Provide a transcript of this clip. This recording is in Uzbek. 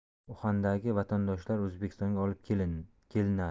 uxandagi vatandoshlar o'zbekistonga olib kelinadi